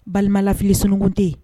Balima lafili sunuŋun te ye